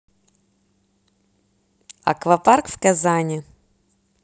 аквапарк в казани